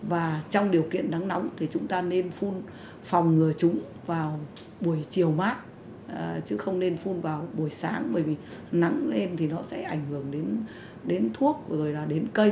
và trong điều kiện nắng nóng thì chúng ta nên phun phòng ngừa chúng vào buổi chiều mát chứ không nên phun vào buổi sáng bởi vì nắng lên thì nó sẽ ảnh hưởng đến đến thuốc rồi là đến cây